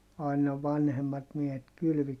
aina vanhemmat miehet kylvi